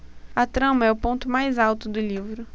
a trama é o ponto mais alto do livro